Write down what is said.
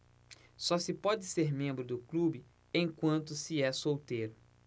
só se pode ser membro do clube enquanto se é solteiro